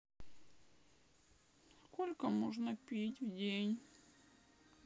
сколько можно пить в день